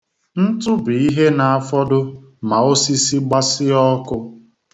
Ntụ bụ ihe na-afọdụ ma osisi gbasịa ọkụ.